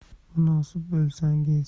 munosib bo'lsangiz